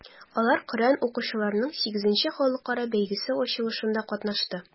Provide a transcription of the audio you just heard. Алар Коръән укучыларның VIII халыкара бәйгесе ачылышында катнашты.